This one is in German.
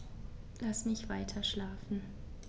Lass mich weiterschlafen.